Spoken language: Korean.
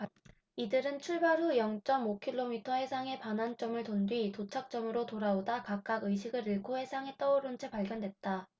이들은 출발 후 영 쩜 오 키로미터 해상의 반환점을 돈 뒤 도착점으로 돌아오다 각각 의식을 잃고 해상에 떠오른 채 발견됐다